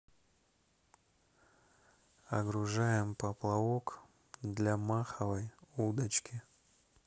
огружаем поплавок для маховой удочки